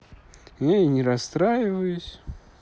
я не расстраиваюсь